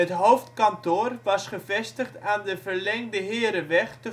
hoofdkantoor was gevestigd aan de Verlengde Hereweg